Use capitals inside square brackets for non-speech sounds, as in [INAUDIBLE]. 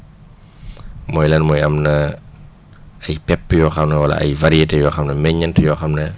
[BREATH] mooy lan mooy am na ay pepp yoo xam ne wala ay variétés yoo xam ne meññeent yoo xam ne